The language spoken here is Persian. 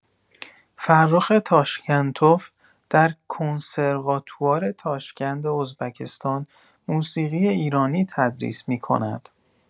فرخ تاشکنتوف در کنسرواتوار تاشکند ازبکستان موسیقی ایرانی تدریس می‌کند.